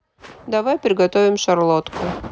давай приготовим шарлотку